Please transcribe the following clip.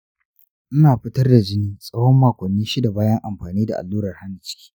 ina fitar da jini tsawon makonni shida bayan amfani da allurar hana ciki.